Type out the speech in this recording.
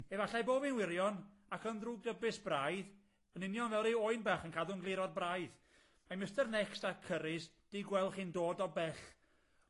Efallai bo' fi'n wirion, ac yn ddrwgdybus braidd, yn union fel ryw oen bach yn cadw'n glir o'r blaidd, mae Mistar Next a Curry's 'di gwel' chi'n dod o bell.